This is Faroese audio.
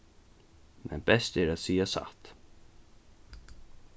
men best er at siga satt